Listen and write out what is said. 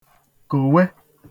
kòwe